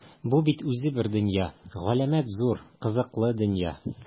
Бу бит үзе бер дөнья - галәмәт зур, кызыклы дөнья!